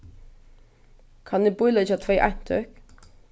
kann eg bíleggja tvey eintøk